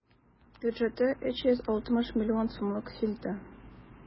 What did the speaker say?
Бюджеты 360 миллион сумлык фильмда.